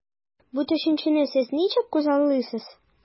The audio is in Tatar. Бу төшенчәне сез ничек күзаллыйсыз?